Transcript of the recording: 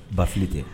Bafi tɛ